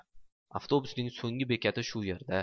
avtobusning so'nggi bekati shu yerda